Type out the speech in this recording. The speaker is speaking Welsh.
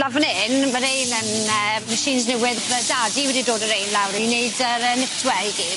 Nawr fyn 'yn ma' rein yn yy machines newydd ma' dadi wedi dod â rein lawr i neud yr yy nitware i gyd.